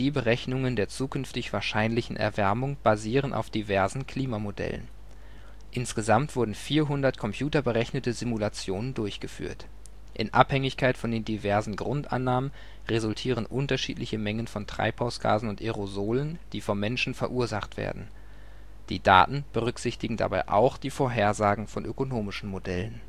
IPCC-Berechnungen der zukünftig wahrscheinlichen Erwärmung basieren auf diversen Klimamodellen. Insgesamt wurden 400 computerberechnete Simulationen durchgeführt. In Abhängigkeit von den diversen Grundannahmen resultieren unterschiedliche Mengen von Treibhausgasen und Aerosolen, die vom Menschen verursacht werden. Die Daten berücksichtigen dabei auch die Vorhersagen von ökonomischen Modellen